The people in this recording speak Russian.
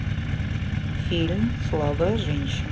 фильм слабая женщина